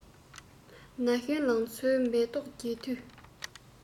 ན གཞོན ལང ཚོའི མེ ཏོག རྒྱས དུས